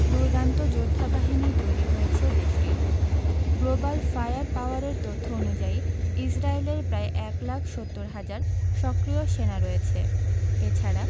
দুর্দান্ত যোদ্ধাবাহিনী তৈরি হয়েছে দেশটির গ্লোবাল ফায়ার পাওয়ারের তথ্য অনুযায়ী ইসরায়েলের প্রায় ১ লাখ ৭০ হাজার সক্রিয় সেনা রয়েছে এ ছাড়া